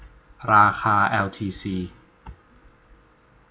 ราคาแอลทีซี